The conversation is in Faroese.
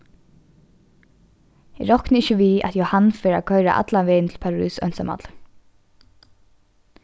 eg rokni ikki við at jóhann fer at koyra allan vegin til parís einsamallur